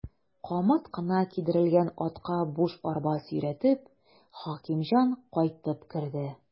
Камыт кына кидерелгән атка буш арба сөйрәтеп, Хәкимҗан кайтып керде.